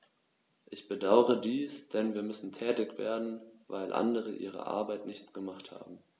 Ich bedauere dies, denn wir müssen tätig werden, weil andere ihre Arbeit nicht gemacht haben.